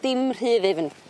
dim rhy ddyfyn.